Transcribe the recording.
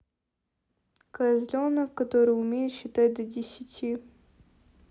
козленок который умеет считать до десяти